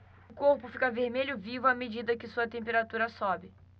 o corpo fica vermelho vivo à medida que sua temperatura sobe